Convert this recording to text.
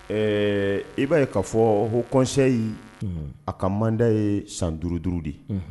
Ɛɛ i b'a ye'a fɔ ko kɔnseyi a ka manda ye san duuru duuru de ye